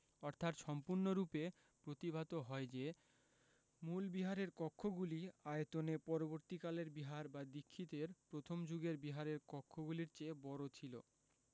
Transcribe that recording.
অর্থাৎ সম্পূর্ণরূপে প্রতিভাত হয় যে মূল বিহারের কক্ষগুলি আয়তনে পরবর্তী কালের বিহার বা দীক্ষিতের প্রথম যুগের বিহারের কক্ষগুলির চেয়ে বড় ছিল